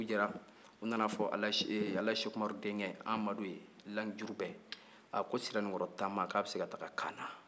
dugu jɛra u nana a fɔ alaji seku umaru denkɛ ye amadu ye lamijurubɛ ha ko siranikɔrɔ tanba ko a bɛ se ka taa kaana